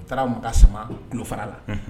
U taara kun bi taa sama kulo fara la.